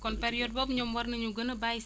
kon période boobu ñoom war nañu gën a bàyyi